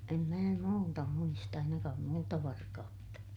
en minä muuta muista ainakaan muuta varkautta